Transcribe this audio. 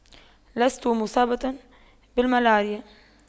لست مصابة بالملاريا